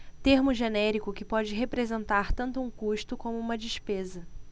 termo genérico que pode representar tanto um custo como uma despesa